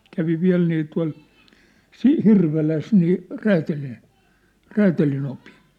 kävi vielä niin tuolla - Hirvelässä niin - räätälinopin